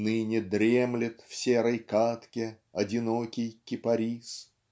Ныне дремлет в серой кадке Одинокий кипарис.